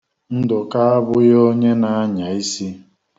Ndụka abụghị onye na-anya isi